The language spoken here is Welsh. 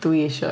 Dwi isio.